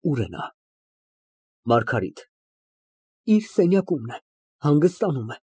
Ո՞ւր է նա։ ՄԱՐԳԱՐԻՏ ֊ Իր սենյակումն է, հանգստանում է։